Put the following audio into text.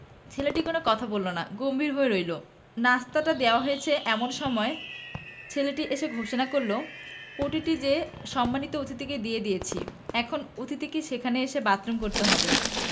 ছেলেটি কোন কথা বলল না গম্ভীর হয়ে রইল নশিতাটাসতা দেয়া হয়েছে এমন সময় ছেলেটি এসে ঘোষণা করল পটিটি সে সম্মানিত অতিথিকে দিয়ে দিয়েছে এখন অতিথিকে সেখানে বসে বাথরুম করতে হবে